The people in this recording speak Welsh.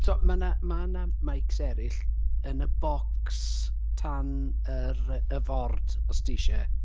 Timo ma' 'na ma' 'na mics eraill yn y bocs tan yr yy y ford os ti isie?